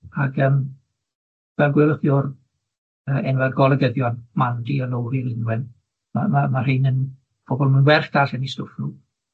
Ag yym fel gwelwch chi o'r yy enwau'r golygyddion, Mandy a Lowri Lynwen, ma' ma' ma' rhein yn pobol ma'n werth darllen 'u stwff nw.